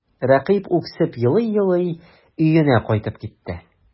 Рәкыйп үксеп елый-елый өенә кайтып китте.